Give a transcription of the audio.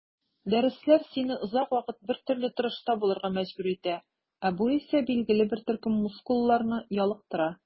Дәресләр сине озак вакыт бертөрле торышта булырга мәҗбүр итә, ә бу исә билгеле бер төркем мускулларны ялыктыра.